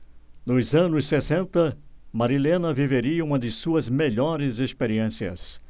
nos anos sessenta marilena viveria uma de suas melhores experiências